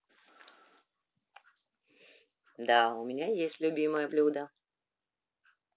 да у меня есть любимое блюдо